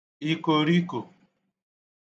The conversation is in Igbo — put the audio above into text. ikoriko